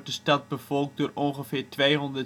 stad bevolkt door ongeveer 296.000